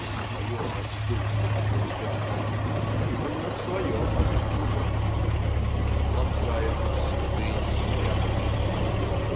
"в свое раздумье погруженный" именно в свое а не в чужое) -- лобзает "святыни спрятанные днем